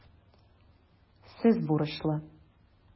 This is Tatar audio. Сез бурычлы.